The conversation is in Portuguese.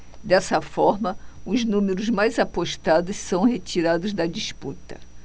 dessa forma os números mais apostados são retirados da disputa